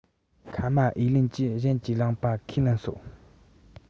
ཁ མའེ ལུན གྱིས གཞན གྱིས བླངས པ ཁས ལེན སྲིད